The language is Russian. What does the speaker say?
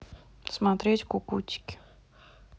смотреть кукутики